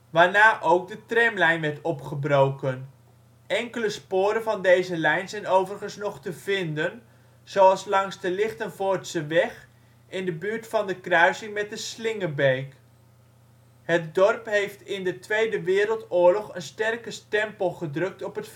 waarna ook de tramlijn werd opgebroken. Enkele sporen van deze lijn zijn overigens nog te vinden, zoals langs de Lichtenvoordseweg, in de buurt van de kruising met de Slingebeek. Het dorp heeft in de Tweede Wereldoorlog een sterke stempel gedrukt op het